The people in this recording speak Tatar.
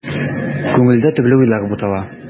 Күңелендә төрле уйлар бутала.